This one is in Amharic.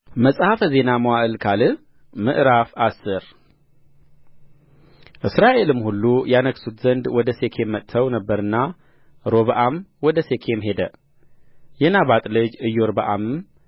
መጽሐፈ ዜና መዋዕል ካልዕ ምዕራፍ አስር እስራኤልም ሁሉ ያነግሡት ዘንድ ወደ ሴኬም መጥተው ነበርና ሮብዓም ወደ ሴኬም ሄደ የናባጥ ልጅ ኢዮርብዓምም